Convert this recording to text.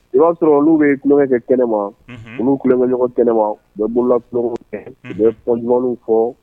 I b'a sɔrɔ olu bɛ tulonkɛ kɛnɛma olu tulonkɛ ɲɔgɔn kɛnɛma bɛ bolola tulon u bɛ ɲuman fɔ